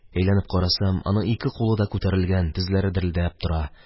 Әйләнеп карасам – аның ике кулы да күтәрелгән, тезләре дерелдәп тора.